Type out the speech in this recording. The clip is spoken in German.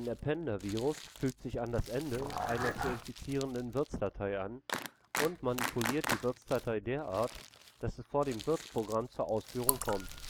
Appender-Virus fügt sich an das Ende einer zu infizierenden Wirtsdatei an und manipuliert die Wirtsdatei derart, dass es vor dem Wirtsprogramm zur Ausführung kommt